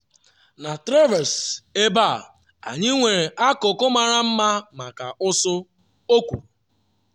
“Na Threaves ebe a, anyị nwere akụkụ mara mma maka ụsụ,” o kwuru.